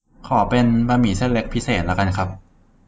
ขอเป็นบะหมี่เส้นเล็กพิเศษละกันครับ